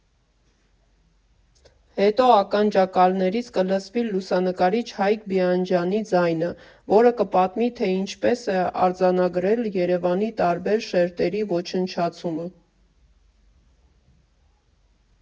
Հետո ականջակալներից կլսվի լուսանկարիչ Հայկ Բիանջյանի ձայնը, որը կպատմի, թե ինչպես է արձանագրել Երևանի տարբեր շերտերի ոչնչացումը։